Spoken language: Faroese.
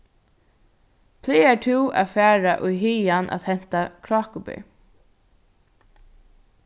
plagar tú at fara í hagan at henta krákuber